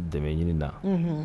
Dɛmɛ ɲini na